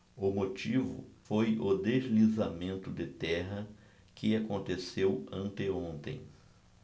o motivo foi o deslizamento de terra que aconteceu anteontem